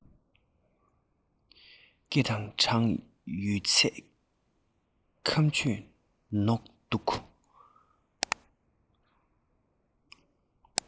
སྐེ དང བྲང ཡོད ཚད ཁམ ཆུས ནོག འདུག